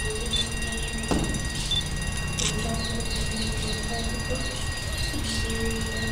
Li mandarga reew la mandarga mongi ame lu xonxu lu weex